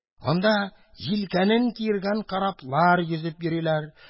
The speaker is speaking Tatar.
Анда җилкәнен киергән кораблар йөзеп йөриләр.